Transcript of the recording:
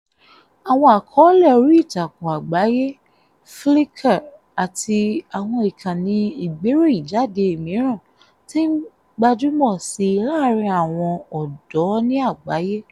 Àwọn àkọọ́lẹ̀ oríìtakùn àgbáyé, Flickr àti àwọn ìkànnì ìgbéròyìnjáde mìíràn ti ń gbajúmọ̀ síi láàárín àwọn ọ̀dọ́ ní àgbáyé.